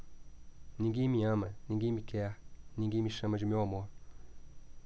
ninguém me ama ninguém me quer ninguém me chama de meu amor